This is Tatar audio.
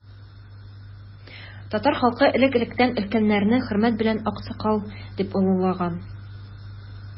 Татар халкы элек-электән өлкәннәрне хөрмәт белән аксакал дип олылаган.